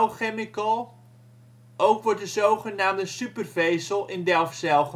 Chemical. Ook wordt de zogenaamde Supervezel in Delfzijl